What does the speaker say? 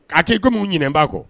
K'a kɛ i comme u ɲinɛnb'a kɔ